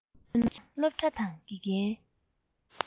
མཚོན ན སློབ གྲྭ དང དགེ རྒན